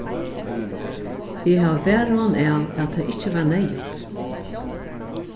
eg havi varhugan av at tað ikki var neyðugt